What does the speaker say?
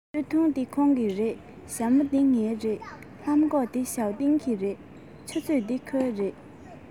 སྟོད ཐུང འདི ཁོང གི རེད ཞྭ མོ འདི ངའི རེད ལྷམ གོག འདི ཞའོ ཏིང གི རེད ཆུ ཚོད འདི ཁོའི རེད